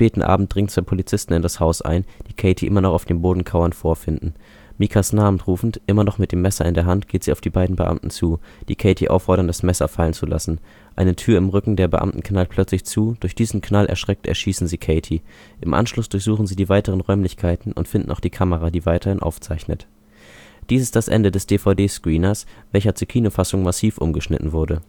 Abend dringen zwei Polizisten in das Haus ein, die Katie immer noch auf dem Boden kauernd vorfinden. Micahs Namen rufend, immer noch mit dem Messer in der Hand, geht sie auf die beiden Beamten zu, die Katie auffordern, das Messer fallenzulassen. Eine Tür im Rücken der Beamten knallt plötzlich zu, durch diesen Knall erschreckt, erschießen sie Katie. Im Anschluss durchsuchen sie die weiteren Räumlichkeiten und finden auch die Kamera, die weiterhin aufzeichnet. Dies ist das Ende des DVD-Screeners, welcher zur Kinofassung massiv umgeschnitten wurde